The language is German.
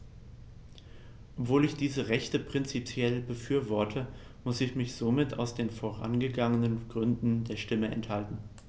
Obwohl ich diese Rechte prinzipiell befürworte, musste ich mich somit aus den vorgenannten Gründen der Stimme enthalten.